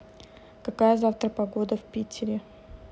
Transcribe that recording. какая завтра погода в питере